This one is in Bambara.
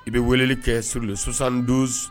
I bɛ wele kɛ sur sonsan don